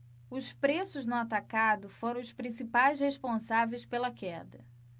os preços no atacado foram os principais responsáveis pela queda